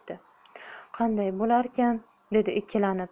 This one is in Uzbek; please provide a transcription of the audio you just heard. qandoq bo'larkin dedi ikkilanib